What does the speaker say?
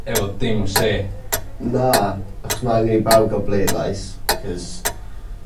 efo dim say. Na achos ma' angen i bawb ga'l pleidlais 'c'os